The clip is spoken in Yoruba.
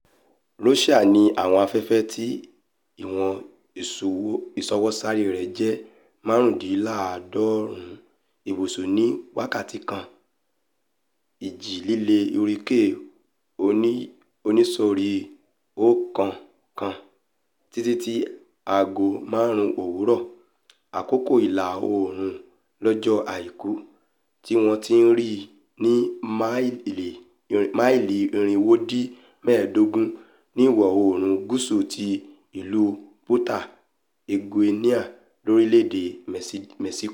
Rosa ní àwọn afẹ́fẹ́ tí ìwọn ìṣọwọ́sáré rẹ̀ jẹ́ máàrúndínláàádọ́ọ̀rún ìbùṣọ̀ ní wákàtí kan, Ìji-líle Hurricane Oníṣọ̀rí 1 kan, títí aago máàrún òwúrọ̀. Àkókò ìlà-oòrùn lọ́jọ́ Àìkú, tí wọn tí rí i ní máìlí irinwódínmẹ́ẹ̀dógún ní ìwọ̀-oòrùn gúúsù ti ìlú Punta Eugenia, lorílẹ̀-èdè Mẹ́ṣíkò.